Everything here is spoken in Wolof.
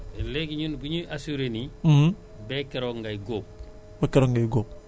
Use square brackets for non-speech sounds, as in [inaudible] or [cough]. [breath] parce que tamit bu fekkente ni foofu [breath] ndax assurance bi dina intervenir ba foofu wala